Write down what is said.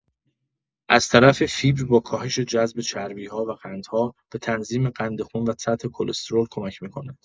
از طرفی فیبر با کاهش جذب چربی‌ها و قندها، به تنظیم قند خون و سطح کلسترول کمک می‌کند.